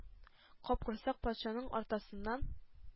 Капкорсак патшаның атасыннан